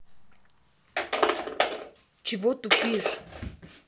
чего тупишь